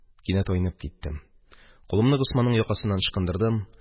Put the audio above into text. Кинәт айнып киттем, кулымны Госманның якасыннан ычкындырдым.